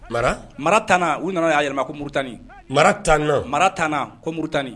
Mara mara 10nan u nan'a yɛlɛma ko Murutani, mara 10nan mara 10nan ko Murutani